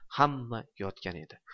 hamma yotgan edi